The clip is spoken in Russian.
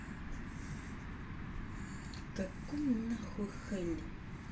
какой нахуй хэлли